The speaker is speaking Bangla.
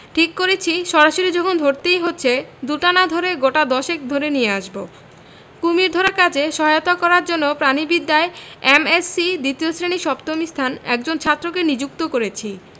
ঠিক করেছি সরাসরি যখন ধরতেই হচ্ছে দুটা না ধরে গোটা দশেক ধরে নিয়ে আসব কুশীর ধরার কাজে সহায়তা করার জন্যে প্রাণীবিদ্যায় এম এস সি দ্বিতীয় শ্রেণী সপ্তম স্থান একজন ছাত্রকে নিযুক্ত করেছি